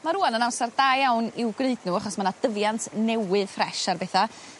ma' rŵan yn amsar da iawn i'w gwneud n'w achos ma' 'na dyfiant newydd ffries ar betha